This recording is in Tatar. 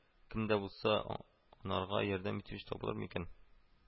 Кемдә булса анарга ярдәм итүче табылыр микән